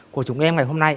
của chúng em ngày hôm nay